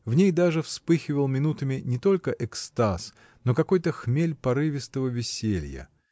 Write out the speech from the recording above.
В ней даже вспыхивал минутами не только экстаз, но какой-то хмель порывистого веселья.